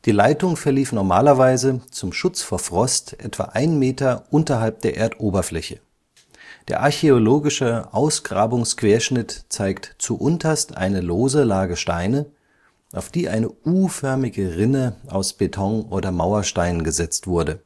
Leitung verlief normalerweise zum Schutz vor Frost etwa 1 m unterhalb der Erdoberfläche. Der archäologische Ausgrabungsquerschnitt zeigt zuunterst eine lose Lage Steine, auf die eine U-förmige Rinne aus Beton oder Mauersteinen gesetzt wurde